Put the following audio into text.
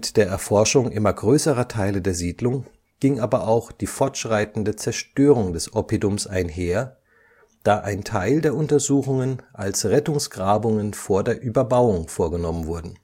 der Erforschung immer größerer Teile der Siedlung ging aber auch die fortschreitende Zerstörung des Oppidums einher, da ein Teil der Untersuchungen als Rettungsgrabungen vor der Überbauung vorgenommen wurden